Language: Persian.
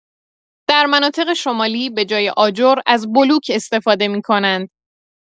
در مناطق شمالی به‌جای آجر از بلوک استفاده می‌کنند.